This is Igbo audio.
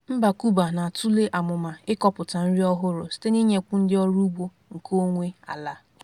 Mba Kuba na-atule amụma ịkọpụta nrị ọhụrụ site n'ịnyekwu ndị ọrụ ugbo nkeonwe ala.